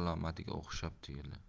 alomatiga o'xshab tuyuldi